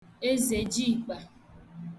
eze jiị̀kpà